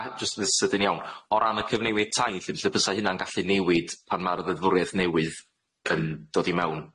Ag jyst yn sydyn iawn o ran y cyfnewid tai lly lle fysa hynna'n gallu newid pan ma'r ddefddwriaeth newydd yn dod i fewn.